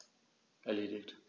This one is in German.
Erledigt.